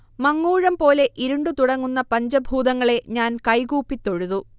മങ്ങൂഴംപോലെ ഇരുണ്ടുതുടങ്ങുന്ന പഞ്ചഭൂതങ്ങളെ ഞാൻ കൈകൂപ്പി തൊഴുതു